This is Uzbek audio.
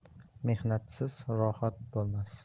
mehnatsiz rohat bo'lmas